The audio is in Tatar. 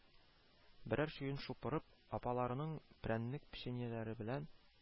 Берәр чуен шупырып, апаларының прәннек-печеньеләре белән